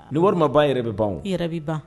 Ni wari ma ba yɛrɛ bɛ ban i yɛrɛ bɛ ban